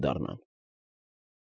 Կդառնան։